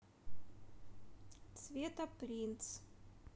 цвета принц